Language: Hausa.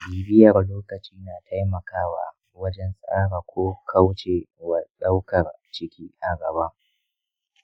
bibiyar lokaci na taimakawa wajen tsara ko kauce wa ɗaukar ciki a gaba.